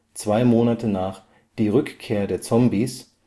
zwei Monate nach „ Die Rückkehr der Zombies